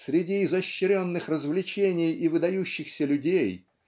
среди изощренных развлечений и выдающихся людей